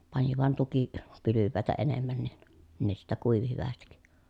pani vain - tukipylväitä enemmän niin ne sitten kuivui hyvästi